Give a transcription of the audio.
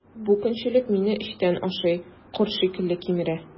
Бу көнчелек мине эчтән ашый, корт шикелле кимерә.